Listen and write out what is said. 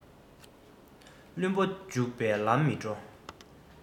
བློན པོ འཇུག པའི ལམ མི འགྲོ